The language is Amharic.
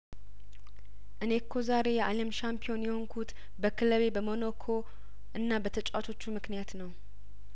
እኔ እኮ ዛሬ የአለም ሻምፒዮን የሆንኩት በክለቤ በሞኖኮ እና በተጫዋቾቹ ምክንያት ነው